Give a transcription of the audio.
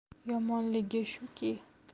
yomonligi shuki